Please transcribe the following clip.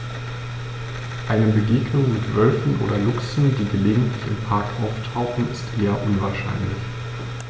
Eine Begegnung mit Wölfen oder Luchsen, die gelegentlich im Park auftauchen, ist eher unwahrscheinlich.